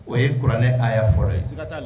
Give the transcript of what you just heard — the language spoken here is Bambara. O ye kuranɛ a' fɔlɔ ye